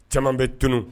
Caaman bɛ tunun